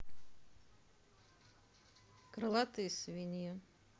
крылатые свиньи